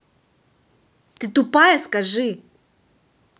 ты тупая скажи